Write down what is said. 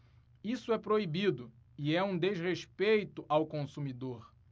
isso é proibido e é um desrespeito ao consumidor